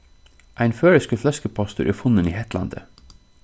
ein føroyskur fløskupostur er funnin í hetlandi